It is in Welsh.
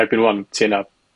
ebyn ŵan ti yna